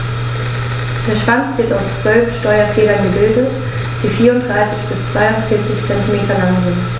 Der Schwanz wird aus 12 Steuerfedern gebildet, die 34 bis 42 cm lang sind.